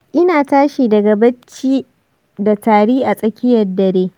ina tashi daga bacci da tari a tsakiyar dare.